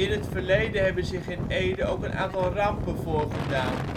het verleden hebben zich in Ede ook een aantal rampen voorgedaan